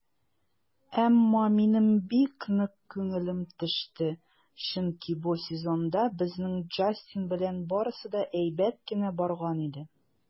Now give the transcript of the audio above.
Әмма минем бик нык күңелем төште, чөнки бу сезонда безнең Джастин белән барысы да әйбәт кенә барган иде.